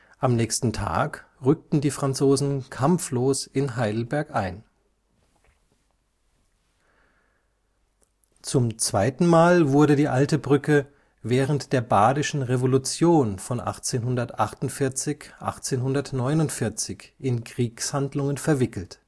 Am nächsten Tag rückten die Franzosen kampflos in Heidelberg ein. Zum zweiten Mal wurde die Alte Brücke während der Badischen Revolution von 1848 / 1849 in Kriegshandlungen verwickelt